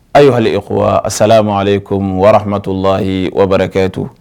Ayiwa hali sa ma aleale ko warafinmatɔ layi wabakɛ to